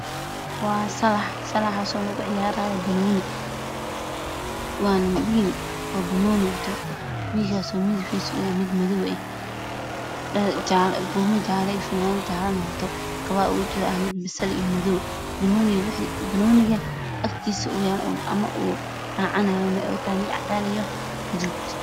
wa salax salaxaso lagu ciyarayo banoni Wil wato wilkaso midabkisu yahay Mid madaw eh bume jaala a iyo finanad madow ah kabaha basalt iyo madow banoniga aktisa uu yalo